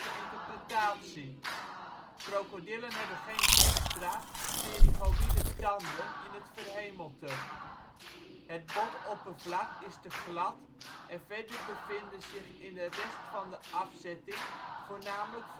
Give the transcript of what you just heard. interpretatie: krokodillen hebben geen extra (pterygoïde) tanden in het verhemelte, het botoppervlak is te glad en verder bevinden zich in de rest van de afzetting voornamelijk